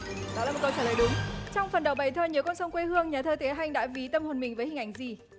đó là một câu trả lời đúng trong phần đầu bài thơ nhớ con sông quê hương nhà thơ tế hanh đã ví tâm hồn mình với hình ảnh gì